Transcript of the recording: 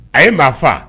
A' ye maa